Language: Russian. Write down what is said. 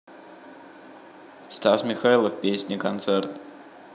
стас михайлов песни концерт